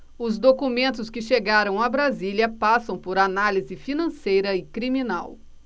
os documentos que chegaram a brasília passam por análise financeira e criminal